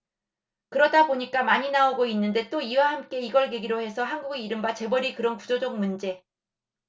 그러다 보니까 많이 나오고 있는데 또 이와 함께 이걸 계기로 해서 한국의 이른바 재벌의 그런 구조적 문제